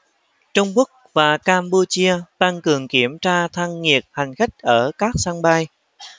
trung quốc và campuchia tăng cường kiểm tra thân nhiệt hành khách ở các sân bay